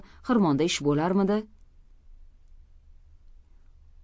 xirmonda ish bo'larmidi